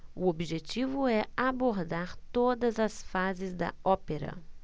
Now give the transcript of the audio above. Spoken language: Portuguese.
o objetivo é abordar todas as fases da ópera